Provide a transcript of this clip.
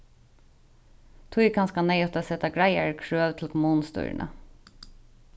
tí er kanska neyðugt at seta greiðari krøv til kommunustýrini